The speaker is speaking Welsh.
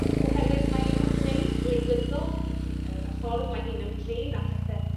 Oherwydd mae ei hymwneud gwleidyddol hi yy y ffordd ma' hi'n ymdrin â phethe